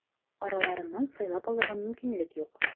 Араларыннан сайлап алырга мөмкинлек юк.